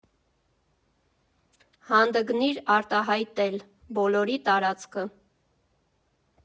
Հանդգնիր արտահայտել Բոլորի տարածքը։